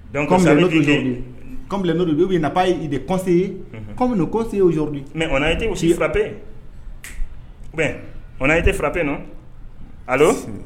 Dɔnc ça dire que . Comme les où il n'a pas. eu de conseiller comme nos. conseiller aujourd'hui . Mais on a été aussi frappé, on a été frappé non, allo .